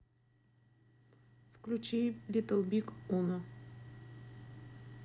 включи литл биг уно